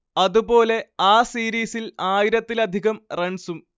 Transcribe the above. അതുപോലെ ആ സീരീസിൽ ആയിരത്തിലധികം റൺസും